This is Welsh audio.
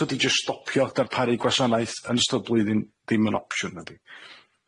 T'od i jyst stopio 'da'r paru gwasanaeth yn ystod blwyddyn ddim yn opsiwn nadi?